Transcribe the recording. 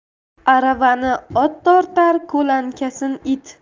aravani ot tortar ko'lankasin it